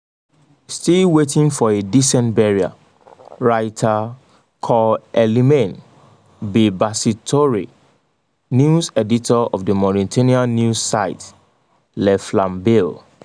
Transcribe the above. still waiting for a decent burial,” writes Kaaw Elimane Bilbassi Touré, news editor of the Mauritanian news site Le Flambeau.